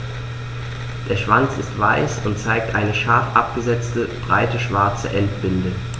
Der Schwanz ist weiß und zeigt eine scharf abgesetzte, breite schwarze Endbinde.